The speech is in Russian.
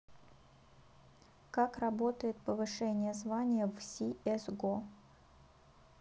как работает повышение звания в cs go